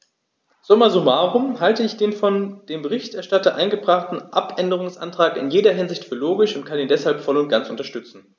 Summa summarum halte ich den von dem Berichterstatter eingebrachten Abänderungsantrag in jeder Hinsicht für logisch und kann ihn deshalb voll und ganz unterstützen.